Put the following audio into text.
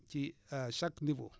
ci à chaque niveau